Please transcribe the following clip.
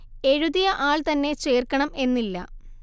എഴുതിയ ആൾ തന്നെ ചേർക്കണം എന്നില്ല